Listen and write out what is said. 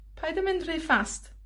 paid â mynd rhy fast.